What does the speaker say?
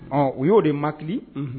Ɔ u y'o de makili